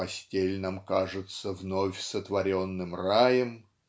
"постель нам кажется вновь сотворенным раем"